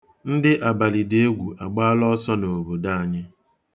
Ndị abalịdiegwu agbaala ọsọ n'obodo anyị